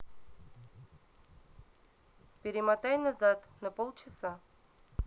перемотай назад на полчаса